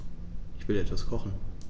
Ich will etwas kochen.